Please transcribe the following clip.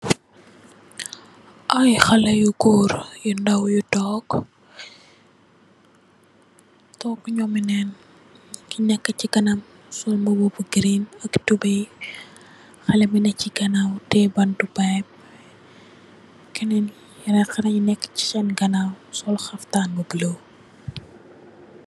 Aye xaleh yu goor yu ndaw yu tonke tonke nume neen ku neka che kanam sol muba bu girin ak tubaye xaleh bu neka che ganaw teye bante payep kenen yenen xaleh yu neke sen ganaw sol xaftan bu bulo.